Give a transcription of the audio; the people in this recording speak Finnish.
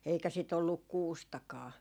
eikä sitä ollut kuustakaan